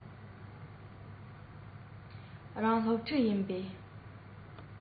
ཐམས ཅད གཉིད ལས སད མ ཐག པ བཞིན མཚར ཉམས ཀྱི འདྲེན བྱེད གྲུང པོར ཕྱེ